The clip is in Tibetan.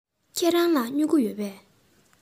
ཁྱེད རང ལ སྨྱུ གུ ཡོད པས